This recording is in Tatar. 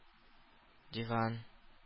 Диван